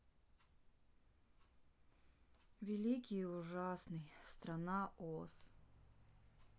великий и ужасный страна oz